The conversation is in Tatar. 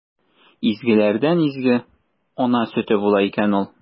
Изгеләрдән изге – ана сөте була икән ул!